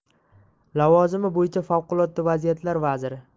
lavozimi bo'yicha favqulodda vaziyatlar vaziri